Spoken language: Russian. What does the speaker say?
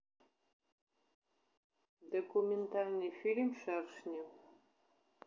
документальный фильм шершни